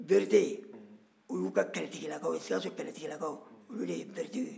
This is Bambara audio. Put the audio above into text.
berete o y'u ka kɛlɛtilakaw ye sikaso kɛlɛtigilakaw olu de ye berete ye